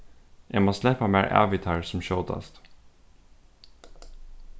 eg má sleppa mær av við teir sum skjótast